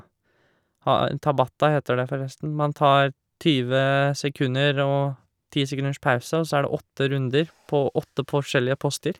ha en Tabata heter det, forresten, man tar tjue sekunder og ti sekunders pause, og så er det åtte runder på åtte p forskjellige poster.